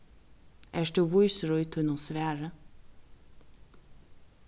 ert tú vísur í tínum svari